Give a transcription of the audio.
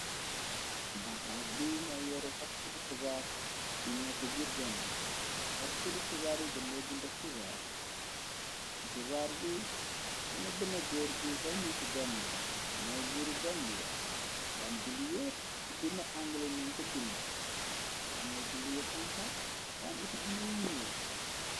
Banxaas bi mooy yore taskiti xibaar yu nekk biir Gambiya, taskati xibaar yi dandee bind xibar, ci xibaar bi amna binna góor buy rañe ci Gambiya mooy buuru Gambiya, waan bindi yoop ci bind angale neen ko bind de, amna bind yu xonxo waan iti amna yu ñuul.